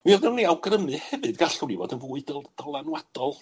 Mi oeddwn i awgrymu hefyd gallwn ni fod yn fwy dyl- dylanwadol